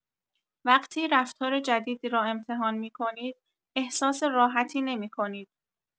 وقتی رفتار جدیدی را امتحان می‌کنید، احساس راحتی نمی‌کنید.